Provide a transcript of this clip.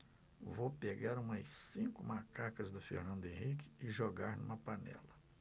vou pegar umas cinco macacas do fernando henrique e jogar numa panela